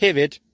Hefyd,